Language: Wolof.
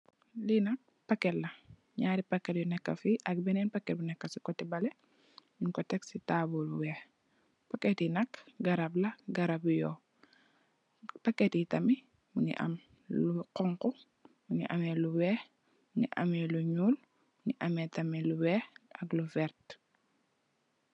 Li nak paket la, ñaari paket yu nèkka fi ak benen paket bu nekka fa leh ak benen paket bu nekka ci koteh baleh, ñing ko tèk ci tabull bu wèèx. Paket yi nak garap la garapi yóó. Paket yi tamid mugii ameh lu xonxu, mugii ameh lu wèèx mugii ngi ameh lu ñuul mugii ameh tamid lu wèèx ak lu werta.